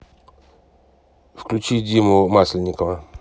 включи диму масленникова